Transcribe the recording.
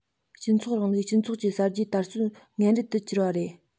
སྤྱི ཚོགས རིང ལུགས སྤྱི ཚོགས ཀྱི གསར བརྗེའི དར སྲོལ ངན རུལ དུ གྱུར པ རེད